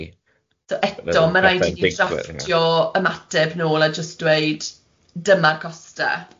So eto ma' raid i ni drafftio ymateb nôl a jyst dweud dyma coste.